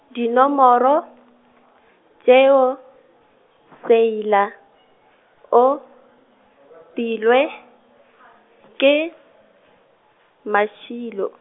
dinomoro, tšeo, Seila , o, filwe, ke, Mašilo.